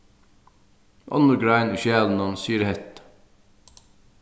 onnur grein í skjalinum sigur hetta